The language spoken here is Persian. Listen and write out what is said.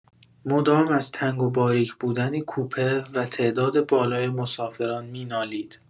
مدام از تنگ و باریک بودن کوپه و تعداد بالای مسافران می‌نالید.